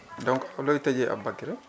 donc looy tëjee Aboubacry